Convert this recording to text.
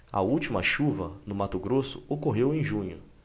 a última chuva no mato grosso ocorreu em junho